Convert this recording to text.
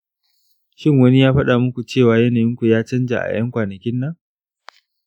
shin wani ya faɗa muku cewa yanayin ku ya canja a ƴan kwanakin nan?